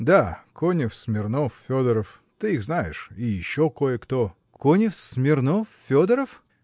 – Да. Конев, Смирнов, Федоров, – ты их знаешь, и еще кое-кто. – Конев, Смирнов, Федоров!